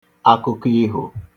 akụkọ iho